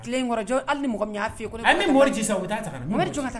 Hali ni mɔgɔ y'